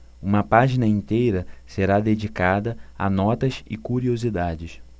uma página inteira será dedicada a notas e curiosidades